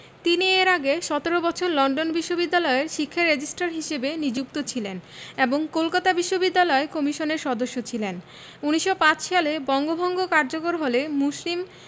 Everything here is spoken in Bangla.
তিনি এর আগে ১৭ বছর লন্ডন বিশ্ববিদ্যালয়ের শিক্ষা রেজিস্ট্রার হিসেবে নিযুক্ত ছিলেন এবং কলকাতা বিশ্ববিদ্যালয় কমিশনের সদস্য ছিলেন ১৯০৫ সালে বঙ্গভঙ্গ কার্যকর হলে মুসলিম